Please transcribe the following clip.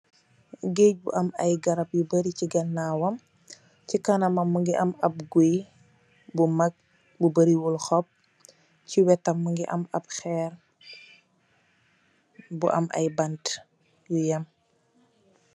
Geej bu am ayy garap yu bari ci ganawam ci kanamam mungi am ab guuy bu mak bu boriwul xop ci wetam mungi am xeer bu am ay banteu yu yam